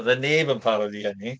Byddai neb yn parod i hynny!